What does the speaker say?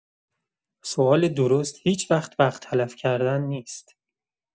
سؤال درست هیچ‌وقت وقت تلف کردن نیست.